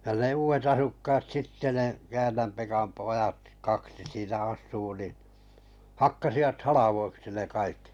ja ne uudet asukkaat sitten ne Käännän Pekan pojat kaksi siinä asuu niin hakkasivat haloiksi ne kaikki